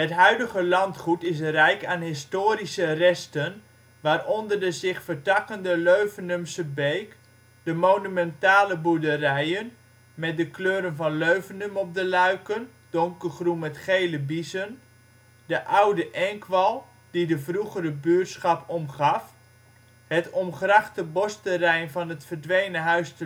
huidige landgoed is rijk aan historische resten, waaronder de zich vertakkende Leuvenumse Beek, de monumentale boerderijen (met de kleuren van Leuvenum op de luiken: donkergroen met gele biezen), de oude enkwal die de vroegere buurschap omgaf, het omgrachtte bosterrein van het verdwenen Huis